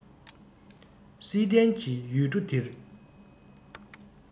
བསིལ ལྡན གྱི ཡུལ གྲུ འདིར